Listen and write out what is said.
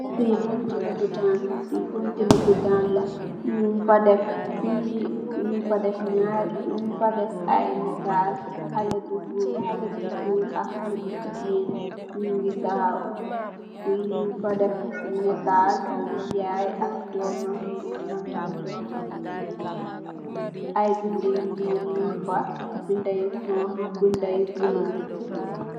Fii bunti loopitaan la, Fii bunti loopitaan la, ñung fa def ay nataal, xalé bu goor ak xalé bu jigéen ñu ngi taxaw. Fii ñung fa def nataal, yaay, ak doomam, mu ngee nampal doomam bi. Ay binda yu ñuul, ñung fa, binda yu xoñga, binda yu bulo.